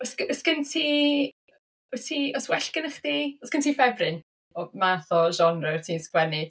Oes g- oes gen ti... Wyt ti... Oes well gynna chdi... Oes gen ti ffefryn o math o genre ti'n sgwennu?